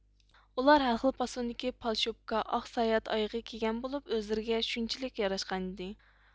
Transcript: ئۇلار ھەر خىل پاسوندىكى پالشوپكا ئاق ساياھەت ئايىغى كىيگەن بولۇپ ئۆزىلىرىگە شۇنچىلىك ياراشقانىدى